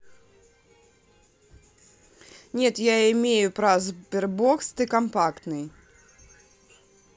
нет я имею про sberbox ты компактный